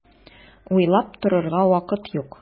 Уйлап торырга вакыт юк!